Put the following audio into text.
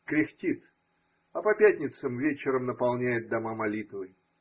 кряхтит, а по пятницам вечером наполняет дома молитвы.